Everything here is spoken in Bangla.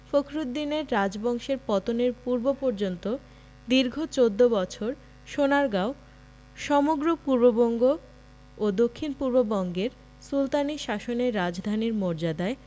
ফখরুদ্দীনের রাজবংশের পতনের পূর্ব পর্যন্ত দীর্ঘ চৌদ্দ বছর সোনারগাঁও সমগ্র পূর্ববঙ্গ ও দক্ষিণপূর্ব বঙ্গের সুলতানি শাসনের রাজধানীর মর্যাদায়